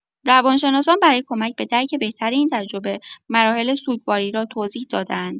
روان‌شناسان برای کمک به درک بهتر این تجربه، مراحل سوگواری را توضیح داده‌اند.